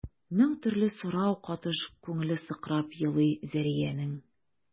Мең төрле сорау катыш күңеле сыкрап елый Зәриянең.